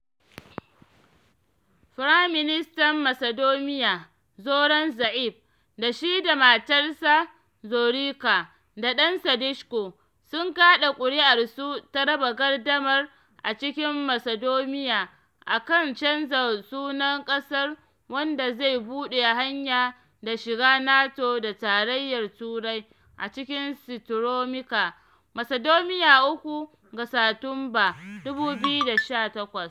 Firaministan Macedonia Zoran Zaev, da shi da matarsa Zorica da ɗansa Dushko sun kaɗa kuri’arsu ta raba gardamar a cikin Macedonia a kan canza sunan ƙasar wanda zai buɗe hanya da shiga NATO da Tarayyar Turai a cikin Strumica, Macedonia 3 ga Satumba, 2018.